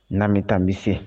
N'an be taa nbe se